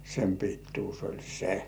sen pituus oli se